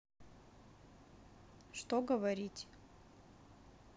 что говорить